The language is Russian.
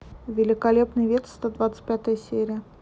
великолепный век сто двадцать пятая серия